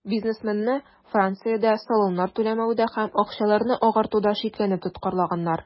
Бизнесменны Франциядә салымнар түләмәүдә һәм акчаларны "агартуда" шикләнеп тоткарлаганнар.